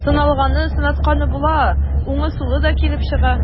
Сыналганы, сынатканы була, уңы, сулы да килеп чыга.